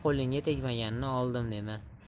qo'lingga tegmaganni oldim dema